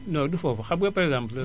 non du foofu xam nga par exemple